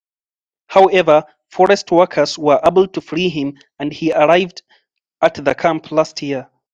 However, forest workers were able to free him and he arrived at the camp last year.